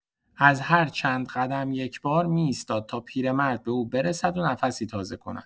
از هر چند قدم یک‌بار می‌ایستاد تا پیرمرد به او برسد و نفسی تازه کند.